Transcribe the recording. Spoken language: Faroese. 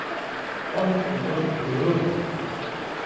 einki um bøkur yvirhøvur